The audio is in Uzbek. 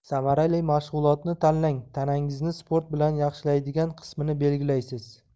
samarali mashg'ulotni tanlang tanangizni sport bilan yaxshilaydigan qismini belgilaysiz